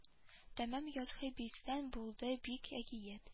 Тәмам язгы бизгәк булды бит әкият